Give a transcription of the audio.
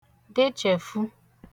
dechèfu